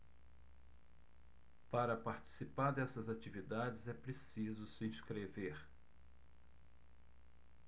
para participar dessas atividades é preciso se inscrever